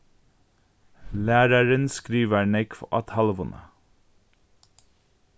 lærarin skrivar nógv á talvuna